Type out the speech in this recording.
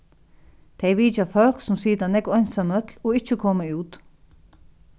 tey vitja fólk sum sita nógv einsamøll og ikki koma út